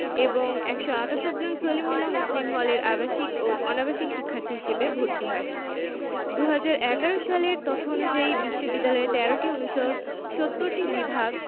এবং ১৭৮ জন সলিমুল্লাহ মুসলিম হলের আবাসিক ও অনাবাসিক শিক্ষার্থী হিসেবে ভর্তি হয় ২০১১ সালের তথ্য অনুযায়ী বিশ্ববিদ্যালয়ে ১৩টি অনুষদ ৭০টি বিভাগ